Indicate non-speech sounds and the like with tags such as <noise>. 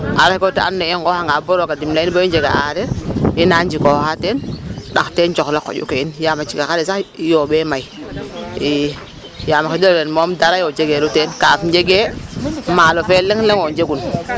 AAr ake koy roog a dimle'anga in bo i njeg a aareer i naa njikooxaa teen ndax teen ɗax coxla qoƴu ke in yaam a cikax ale sax yooɓee may i yaam o xiid ole ren moom <crosstalk> dara yo njegeeru teen, kaaf njegee maalo fe leŋ leŋ o njegun. <crosstalk>